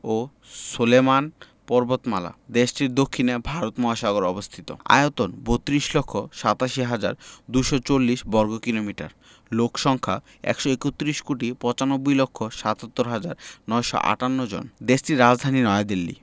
ও সুলেমান পর্বতমালা দেশটির দক্ষিণে ভারত মহাসাগর অবস্থিত আয়তন ৩২ লক্ষ ৮৭ হাজার ২৪০ বর্গ কিমি এবং লোক সংখ্যা ১৩১ কোটি ৯৫ লক্ষ ৭৭ হাজার ৯৫৮ জনদেশটির রাজধানী নয়াদিল্লী